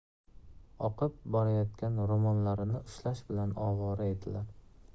oqib borayotgan ro'mollarini ushlash bilan ovora edilar